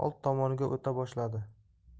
old tomoniga o'ta boshladi